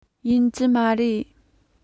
ཡིན གྱི མ རེད